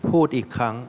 พูดอีกครั้ง